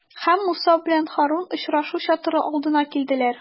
Һәм Муса белән Һарун очрашу чатыры алдына килделәр.